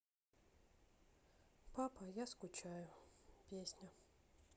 папа я скучаю песня